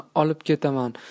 olib ketaman